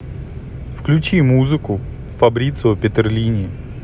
включи музыку фабрицио патерлини